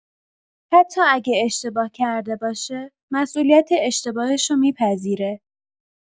حتی اگه اشتباه کرده باشه، مسئولیت اشتباهشو می‌پذیره.